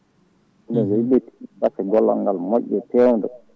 * batte gollal ngal moƴƴa fewda